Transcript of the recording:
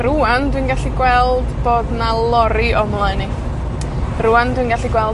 Rŵan dwi'n gallu gweld bod 'na lori o'm mlaen i. Rŵan dwi'n gallu gweld